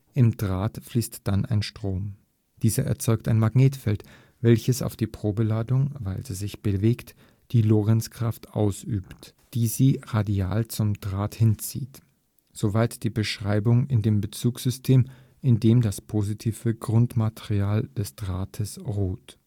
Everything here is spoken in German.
Im Draht fließt dann ein Strom. Dieser erzeugt ein Magnetfeld, welches auf die Probeladung, weil sie sich bewegt, die Lorentzkraft ausübt, die sie radial zum Draht hinzieht. Soweit die Beschreibung in dem Bezugssystem, in dem das positive Grundmaterial des Drahtes ruht